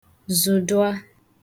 zụ̀dụa